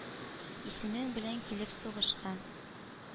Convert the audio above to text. Исемең белән килеп сугышка,